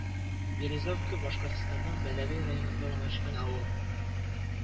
Березовка Башкортстанның Бәләбәй районында урнашкан авыл